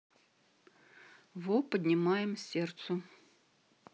во поднимаем сердцу